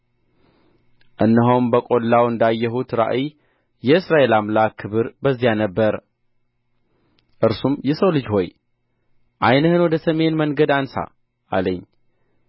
እነሆም በቈላው እንዳየሁት ራእይ የእስራኤል አምላክ ክብር በዚያ ነበረ እርሱም የሰው ልጅ ሆይ ዓይንህን ወደ ሰሜን መንገድ አንሣ አለኝ